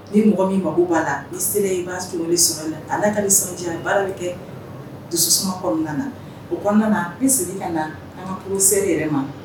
Ni mɔgɔ min mako b'a la n'i sera ye i b'a an'a ka nisɔndiya baara be kɛ dususuma kɔɔna na o kɔɔna na be segi ka na an ŋa professeur yɛrɛ ma